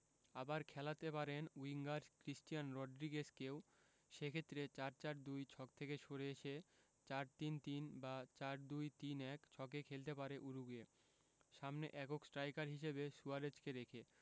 আবার খেলাতে পারেন উইঙ্গার ক্রিস্টিয়ান রড্রিগেজকেও সে ক্ষেত্রে ৪ ৪ ২ ছক থেকে সরে এসে ৪ ৩ ৩ বা ৪ ২ ৩ ১ ছকে খেলতে পারে উরুগুয়ে সামনে একক স্ট্রাইকার হিসেবে সুয়ারেজকে রেখে